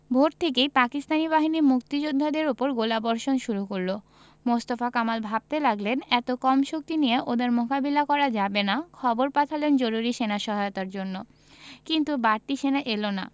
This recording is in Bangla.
ভোর থেকেই পাকিস্তানি বাহিনী মুক্তিযোদ্ধাদের উপর গোলাবর্ষণ শুরু করল মোস্তফা কামাল ভাবতে লাগলেন এত কম শক্তি নিয়ে ওদের মোকাবিলা করা যাবে না খবর পাঠালেন জরুরি সেনা সহায়তার জন্য কিন্তু বাড়তি সেনা এলো না